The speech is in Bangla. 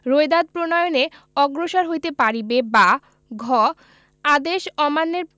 রোয়েদাদ প্রণয়নে অগ্রসর হইতে পারিবে বা ঘ আদেশ অমান্যের